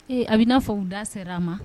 Ee a bɛ fa u da sera a ma